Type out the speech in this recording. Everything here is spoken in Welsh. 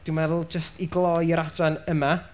Dw i'n meddwl, jyst i gloi'r adran yma,